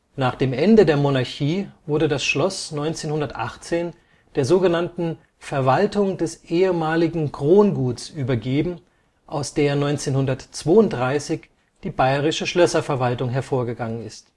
Nach dem Ende der Monarchie wurde das Schloss 1918 der sogenannten Verwaltung des ehemaligen Kronguts übergeben, aus der 1932 die bayerische Schlösserverwaltung hervorgegangen ist